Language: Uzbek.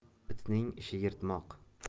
itning ishi yirtmoq